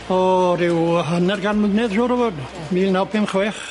O ryw hanner gan mlynedd siŵr o fod. Mîl naw pum chwech.